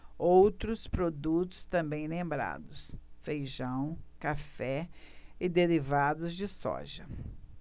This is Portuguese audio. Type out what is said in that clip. outros produtos também lembrados feijão café e derivados de soja